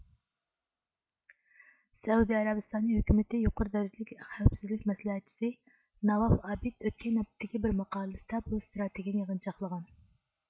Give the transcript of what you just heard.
سەئۇدى ئەرەبىستانى ھۆكۈمىتىنىڭ يۇقىرى دەرىجىلىك خەۋپسىزلىك مەسلىھەتچىسى ناۋاف ئابىد ئۆتكەن ھەپتىدىكى بىر ماقالىسىدە بۇ ئىستراتېگىيىنى يىغىنچاقلىغان